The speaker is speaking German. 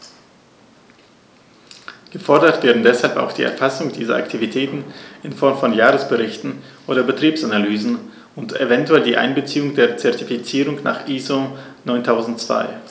Gefordert werden deshalb auch die Erfassung dieser Aktivitäten in Form von Jahresberichten oder Betriebsanalysen und eventuell die Einbeziehung in die Zertifizierung nach ISO 9002.